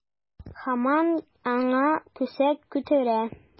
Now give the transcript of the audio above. Һаман аңа күсәк күтәрә.